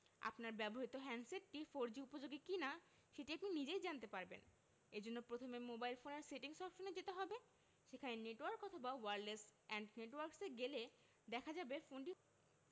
আপনার ব্যবহৃত হ্যান্ডসেটটি ফোরজি উপযোগী কিনা সেটি আপনি নিজেই জানতে পারবেন এ জন্য প্রথমে মোবাইল ফোনের সেটিংস অপশনে যেতে হবে সেখানে নেটওয়ার্ক অথবা ওয়্যারলেস অ্যান্ড নেটওয়ার্কস এ গেলে দেখা যাবে ফোনটি